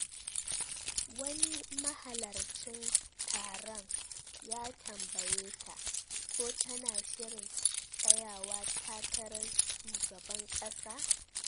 Wani mahalarcin taron ya tambaye ta ko tana shirin tsayawa takarar shugaban kasa.